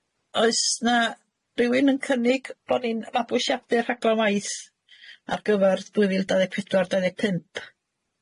Oes 'na rywun yn cynnig bo' ni'n mabwysiadu'r rhaglan waith ar gyfar dwy fil dau ddeg pedwar dau ddeg pump?